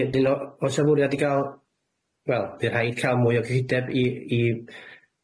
Ie 'dyn o- o's 'na fwriad i ga'l wel by' rhaid ca'l mwy o gyllideb i i